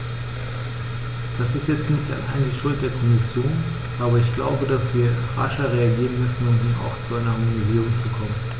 Das ist jetzt nicht allein die Schuld der Kommission, aber ich glaube, dass wir rascher reagieren müssen, um hier auch zu einer Harmonisierung zu kommen.